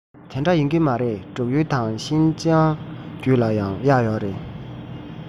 དེ འདྲ ཡིན གྱི མ རེད འབྲུག ཡུལ དང ཤིན ཅང རྒྱུད ལ ཡང གཡག ཡོད རེད